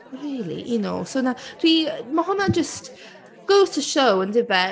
Really, you know, so na... dwi... mae hwnna just goes to show, ondife.